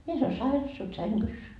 mies oli sairas se oli sängyssä